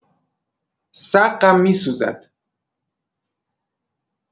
سقم می‌سوزد.